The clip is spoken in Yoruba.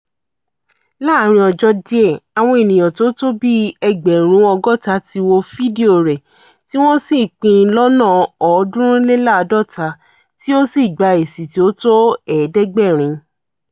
Láàárín ọjọ́ díẹ̀, àwọn ènìyàn tí ó tó bíi ẹgbẹ̀rún 60 ti wo fídíò rẹ̀, tí wọ́n sì pín in lọ́nà 350, tí ó sì gba èsì tí ó tó 700.